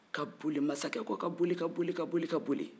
ka boli mansakɛ kɔ ka boli ka boli ka boli ka boli